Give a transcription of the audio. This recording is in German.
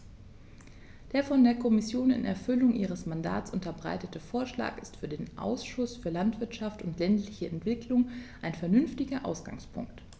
Der von der Kommission in Erfüllung ihres Mandats unterbreitete Vorschlag ist für den Ausschuss für Landwirtschaft und ländliche Entwicklung ein vernünftiger Ausgangspunkt.